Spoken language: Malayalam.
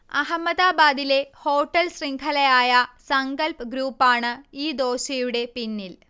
അഹമ്മദാബാദിലെ ഹോട്ടൽ ശൃംഘലയായ സങ്കൽപ് ഗ്രൂപ്പാണ് ഈ ദോശയുടെ പിന്നിൽ